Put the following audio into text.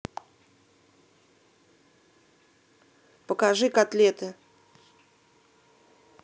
покажи котлеты